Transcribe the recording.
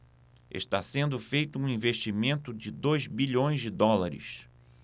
está sendo feito um investimento de dois bilhões de dólares